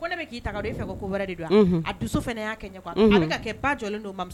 Ko ne k'i ko wɛrɛ a dusu fana y'a kɛ kɛ ba jɔ don